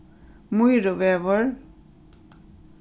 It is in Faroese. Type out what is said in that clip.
mýruvegur